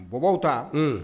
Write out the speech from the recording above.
Bɔbaw ta